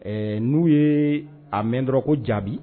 Ɛɛ n'u ye a mɛn dɔrɔn ko jaabi